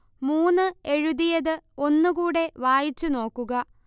മുന്ന് എഴുതിയത് ഒന്നു കൂടെ വായിച്ചു നോക്കുക